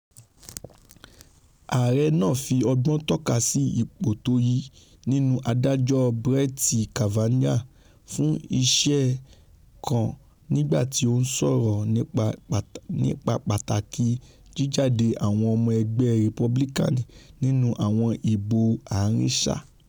Ààrẹ náà fi ọgbọ́n tọ́kasí ipò tóyí mímú Adájọ́ Brett Kavanaugh fún iṣẹ̀ ká nígbà tí ó ńsọ̀rọ̀ nípa pàtàkì jíjáde àwọn ọmọ ẹgbẹ́ Republican nínú àwọn ìbò ààrin sáà.